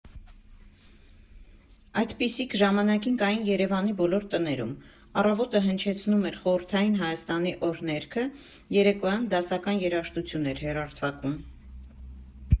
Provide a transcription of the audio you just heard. Այդպիսիք ժամանակին կային Երևանի բոլոր տներում՝ առավոտը հնչեցնում էր խորհրդային Հայաստանի օրհներգը, երեկոյան՝ դասական երաժշտություն էր հեռարձակում։